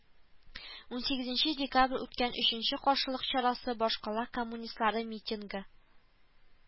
Унсигезенче декабрь үткән өченче каршылык чарасы башкала коммунистлары митингы